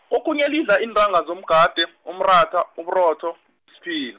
okhunye lidla iintanga zomgade, umratha, uburotho, sphil-.